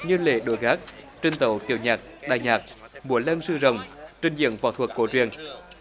như lễ đổi gác trình tấu tiểu nhạc đại nhạc múa lân sư rồng trình diễn võ thuật cổ truyền